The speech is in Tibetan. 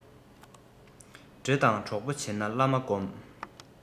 འདྲེ དང གྲོགས པོ བྱེད ན བླ མ སྒོམས